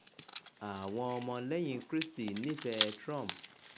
Àwọn Ọmọ lẹ́yìn-in Krístì nífẹ̀ẹ́ẹ Trump